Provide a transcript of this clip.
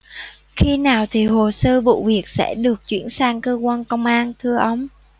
khi nào thi hồ sơ vụ việc sẽ được chuyển sang cơ quan công an thưa ông